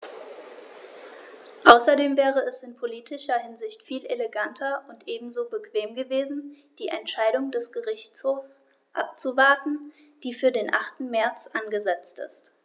Außerdem wäre es in politischer Hinsicht viel eleganter und ebenso bequem gewesen, die Entscheidung des Gerichtshofs abzuwarten, die für den 8. März angesetzt ist.